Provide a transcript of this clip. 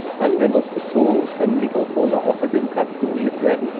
Anwendungsbezogen können Mikrofone außerdem kategorisiert werden